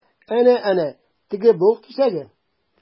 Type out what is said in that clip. Әнә-әнә, теге болыт кисәге?